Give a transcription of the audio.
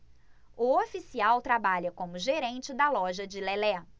o oficial trabalha como gerente da loja de lelé